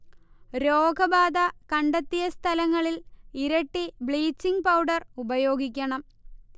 രോഗബാധ കണ്ടെത്തിയ സ്ഥലങ്ങളിൽ ഇരട്ടി ബ്ലീച്ചിങ് പൌഡർ ഉപയോഗിക്കണം